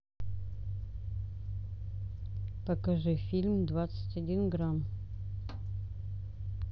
покажи фильм двадцать один грамм